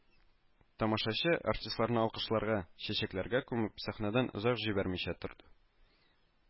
Тамашачы, артистларны алкышларга, чәчкәләргә күмеп, сәхнәдән озак җибәрмичә торды